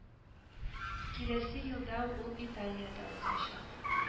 Киләсе елда ул италиядә узачак